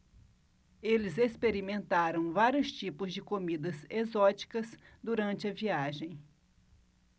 eles experimentaram vários tipos de comidas exóticas durante a viagem